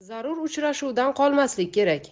zarur uchrashuvdan qolmaslik kerak